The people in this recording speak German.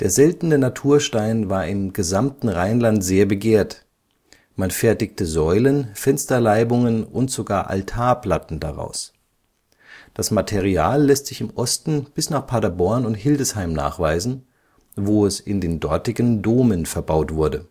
seltene Naturstein war im gesamten Rheinland sehr begehrt, man fertigte Säulen, Fensterleibungen und sogar Altarplatten daraus. Das Material lässt sich im Osten bis nach Paderborn und Hildesheim nachweisen, wo es in den dortigen Domen verbaut wurde